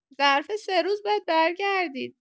ظرف سه روز باید برگردید.